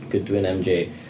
Goodwin MJ.